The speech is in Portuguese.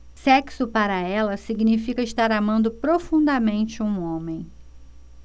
sexo para ela significa estar amando profundamente um homem